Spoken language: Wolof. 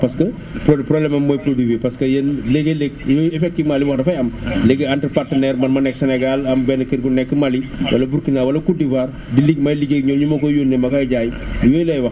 parce que pro problème am mooy produit bi parce que nee ngeen léegi effectivement li mu wax dafay am léegi entre partenaire man ma nekk Sénégal nga am benn kër bu nekk Mali wala Burkina wala Côte d'ivoir di li may liggéey ak ñooñu ñu ma koy yónnee nga koy jaay yooyu lay wax